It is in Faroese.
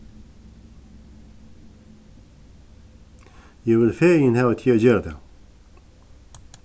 eg vil fegin hava teg at gera tað